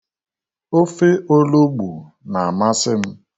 Ofe olugbu na-amasị m.